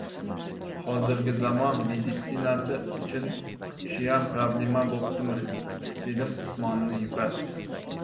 hozirgi zamon meditsinasi uchun shuyam problema bo'ptimi dedim usmonni yupatib